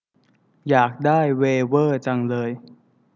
อยากได้เวเวอร์จังเลย